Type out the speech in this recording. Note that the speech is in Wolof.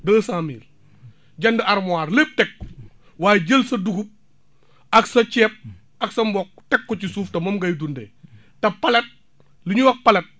deux cent mille jënd armoir lépp teg ko waaye jël sa dugub ak sa ceeb ak sa mboq teg ko ci suuf te moom ngay dundee te palette li ñuy wax palette